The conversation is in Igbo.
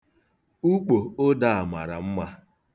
Ukpo ụda a mara mma.